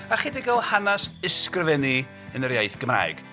A chydig o hanes ysgrifennu yn yr iaith Gymraeg.